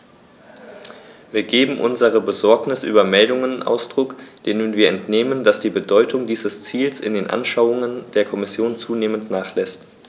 Wir geben unserer Besorgnis über Meldungen Ausdruck, denen wir entnehmen, dass die Bedeutung dieses Ziels in den Anschauungen der Kommission zunehmend nachlässt.